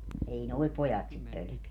ei nuo pojat sitä pelkää